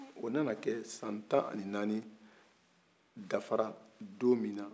o nana kɛ san tan ni naani dafara don min na